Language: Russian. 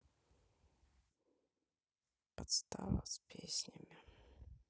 подстава с песнями